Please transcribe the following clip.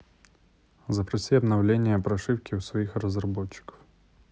запроси обновление прошивки у своих разработчиков